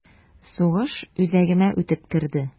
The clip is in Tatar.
Сугыш үзәгемә үтеп керде...